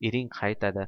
ering qaytadi